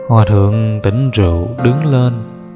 hòa thượng tỉnh rượu đứng lên